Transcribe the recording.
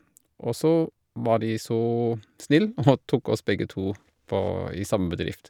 Og så var de så snill og tok oss begge to på i samme bedrift.